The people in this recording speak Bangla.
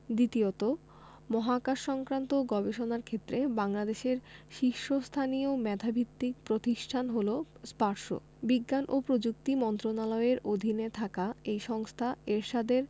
দ্বিতীয়ত মহাকাশসংক্রান্ত গবেষণার ক্ষেত্রে বাংলাদেশের শীর্ষস্থানীয় মেধাভিত্তিক প্রতিষ্ঠান হলো স্পারসো বিজ্ঞান ও প্রযুক্তি মন্ত্রণালয়ের অধীনে থাকা এই সংস্থা এরশাদের